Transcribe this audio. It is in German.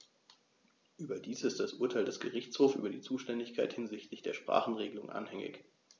Überdies ist das Urteil des Gerichtshofes über die Zuständigkeit hinsichtlich der Sprachenregelung anhängig.